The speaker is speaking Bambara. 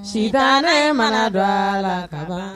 Si ne mana dɔgɔ la kaban